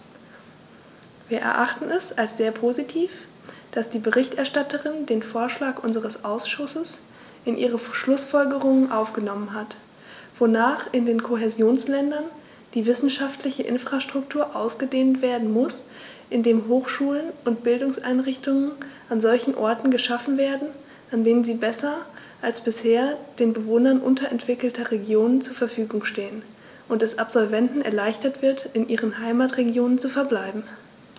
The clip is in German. Wir erachten es als sehr positiv, dass die Berichterstatterin den Vorschlag unseres Ausschusses in ihre Schlußfolgerungen aufgenommen hat, wonach in den Kohäsionsländern die wissenschaftliche Infrastruktur ausgedehnt werden muss, indem Hochschulen und Bildungseinrichtungen an solchen Orten geschaffen werden, an denen sie besser als bisher den Bewohnern unterentwickelter Regionen zur Verfügung stehen, und es Absolventen erleichtert wird, in ihren Heimatregionen zu verbleiben.